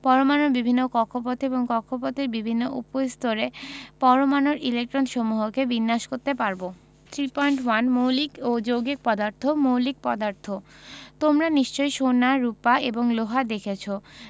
পরমাণুর বিভিন্ন কক্ষপথে এবং কক্ষপথের বিভিন্ন উপস্তরে পরমাণুর ইলেকট্রনসমূহকে বিন্যাস করতে পারব 3.1 মৌলিক ও যৌগিক পদার্থঃ মৌলিক পদার্থ তোমরা নিশ্চয় সোনা রুপা বা লোহা দেখেছ